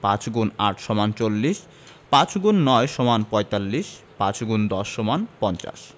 ৫গুণ ৮ সমান ৪০ ৫গুণ ৯ সমান ৪৫ ৫গুণ১০ সমান ৫০